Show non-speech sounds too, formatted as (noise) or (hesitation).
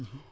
(hesitation) (hesitation)